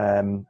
Yym.